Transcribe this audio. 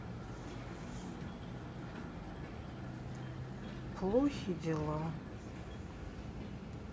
плохи дела